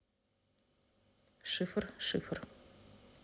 шифр шифр